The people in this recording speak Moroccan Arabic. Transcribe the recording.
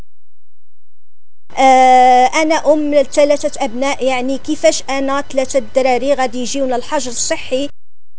انا ام لثلاثه ابناء يعني كيف كان اكلت الحجر الصحي